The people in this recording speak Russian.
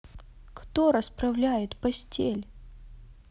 кто расправляет постель